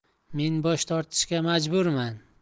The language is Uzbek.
men bosh tortishga majburman